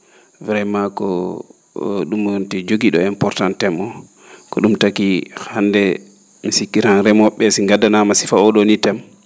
vraiment ko ?umanti jogii?o important théme oo ko ?um taki hannde mi sikki ran remoo?e ?ee si ngaddanaama sifa oo ?oo nii théme